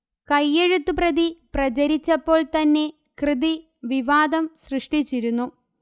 കയ്യെഴുത്തുപ്രതി പ്രചരിച്ചപ്പോൾ തന്നെ കൃതി വിവാദം സൃഷ്ടിച്ചിരുന്നു